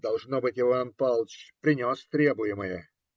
Должно быть, Иван Павлыч принес требуемое.